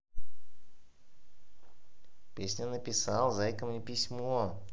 песня написал зайка мне письмо